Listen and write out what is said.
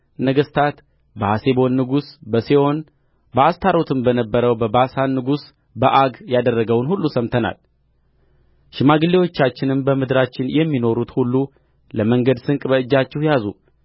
ነገሥታት በሐሴቦን ንጉሥ በሴዎን በአስታሮትም በነበረው በባሳን ንጉሥ በዐግ ያደረገውን ሁሉ ሰምተናል ሽማግሌዎቻችንም በምድራችንም የሚኖሩት ሁሉ ለመንገድ ስንቅ በእጃችሁ ያዙ